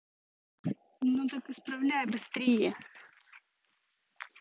ну так исправляй быстрее